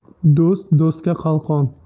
do'st do'stga qalqon